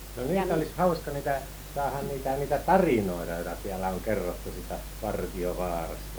nyt olisi hauska niitä saada niitä niitä tarinoita joita täällä on kerrottu siitä Vartiovaarasta